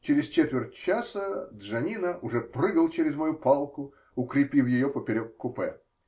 Через четверть часа Джаннино уже прыгал через мою палку, укрепив ее поперек купе.